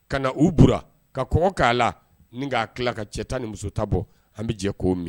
Ka na u bɔra ka kɔngɔ k'a la ni k'a tila ka cɛ tan ni musota bɔ an bɛ jɛ ko min